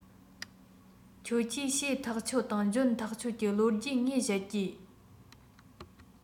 ཁྱོད ཀྱིས བྱས ཐག ཆོད དང འཇོན ཐག ཆོད ཀྱི ལོ རྒྱུས ངས བཤད ཀྱིས